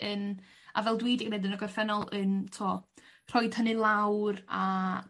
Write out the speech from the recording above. yn... A fel dwi 'di mynd yn y gorffennol yn t'mo' rhoid hynny lawr a